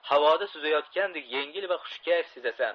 havoda suzayotgandek yengil va xushkayf sezasan